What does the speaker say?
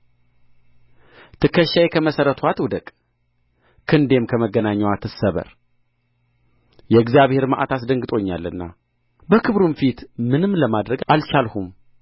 ትከሻዬ ከመሠረትዋ ትውደቅ ክንዴም ከመገናኛዋ ትሰበር የእግዚአብሔር መዓት አስደንግጦኛልና በክብሩም ፊት ምንም ለማድረግ አልቻልሁም